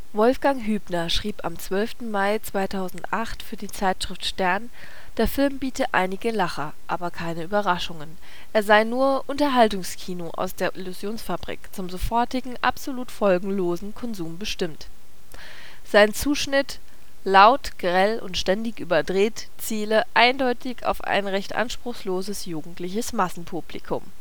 Wolfgang Hübner schrieb am 12. Mai 2008 für die Zeitschrift Stern, der Film biete „ einige Lacher “, aber keine Überraschungen. Er sei „ nur Unterhaltungskino aus der Illusionsfabrik, zum sofortigen, absolut folgenlosen Konsum bestimmt “. Sein Zuschnitt –„ laut, grell und ständig überdreht “– ziele „ eindeutig auf ein recht anspruchsloses jugendliches Massenpublikum